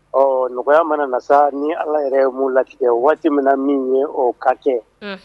Ɔ nɔgɔya mana na sa ni ala yɛrɛ mun latigɛ waati min na min ye o ka kɛ